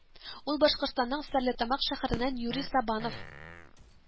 Ул Башкортстанның Стәрлетамак шәһәреннән Юрий Сабанов